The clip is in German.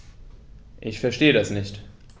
Ich verstehe das nicht.